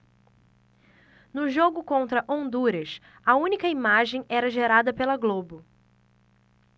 no jogo contra honduras a única imagem era gerada pela globo